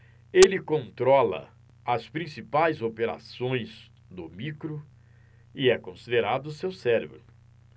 ele controla as principais operações do micro e é considerado seu cérebro